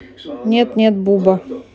нет нет буба